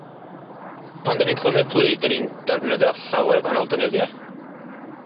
Pan 'dan ni'n clymu'r plu 'dyn ni'n defnyddio llawer gwahanol defnyddie.